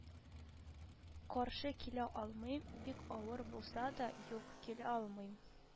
Каршы килә алмыйм, бик авыр булса да, юк, килә алмыйм